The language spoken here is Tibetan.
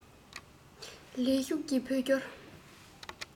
ལས ཞུགས ཀྱི བོད སྐྱོར